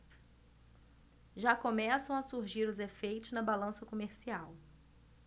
já começam a surgir os efeitos na balança comercial